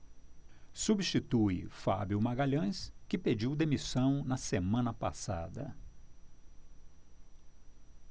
substitui fábio magalhães que pediu demissão na semana passada